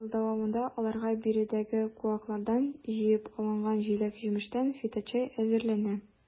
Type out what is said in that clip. Ел дәвамында аларга биредәге куаклардан җыеп алынган җиләк-җимештән фиточәй әзерләнә.